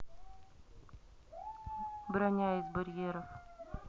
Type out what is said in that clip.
броня из барьеров